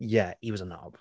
Yeah he was a knob.